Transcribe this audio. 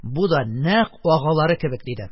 Бу да нәкъ агалары кебек... - диде.